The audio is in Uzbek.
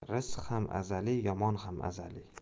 rizq ham azaliy yomon ham azaliy